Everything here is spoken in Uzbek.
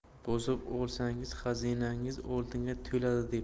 bosib olsangiz xazinangiz oltinga to'ladi debdi